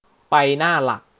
ไปหน้าหลัก